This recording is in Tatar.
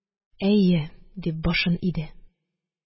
– әйе! – дип башын иде